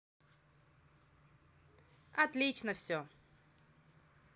отлично все